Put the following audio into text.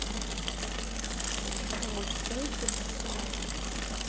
мультфильм суперсемейка